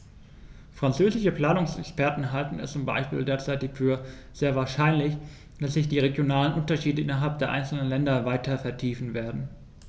Französische Planungsexperten halten es zum Beispiel derzeit für sehr wahrscheinlich, dass sich die regionalen Unterschiede innerhalb der einzelnen Länder weiter vertiefen werden.